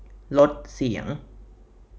ลดเสียง